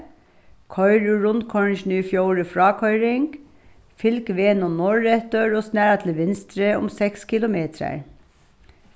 koyr úr rundkoyringini í fjórði frákoyring fylg vegnum norðureftir og snara til vinstri um seks kilometrar